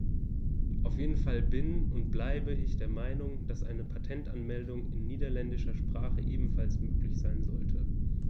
Auf jeden Fall bin - und bleibe - ich der Meinung, dass eine Patentanmeldung in niederländischer Sprache ebenfalls möglich sein sollte.